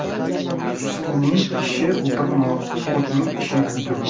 suvning ishi o'pirmoq o'tning ishi kuydirmoq